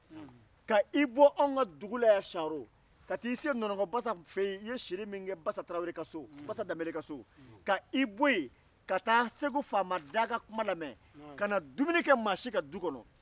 ka bɔ anw ka dugu kɔnɔ ka taa nɔnɔnkɔ basa fɛ yen ka bɔ yen ka taa mɔzɔn fɛ yen segu ka segin ka na an ka dugu la kana dumuni kɛ maa si ka so